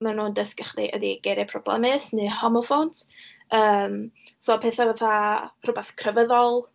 maen nhw'n dysgu chdi ydi geiriau problemus neu homophones. Yym, so petha fatha rywbeth crefyddol yy.